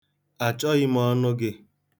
Achọghi m ọnụ gị.